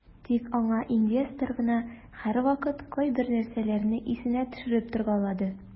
Тик аңа инвестор гына һәрвакыт кайбер нәрсәләрне исенә төшереп торгалады.